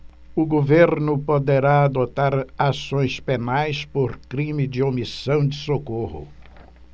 o governo poderá adotar ações penais por crime de omissão de socorro